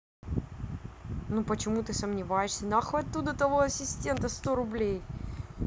ну почему ты сомневаешься нахуй оттуда того ассистента сто рублей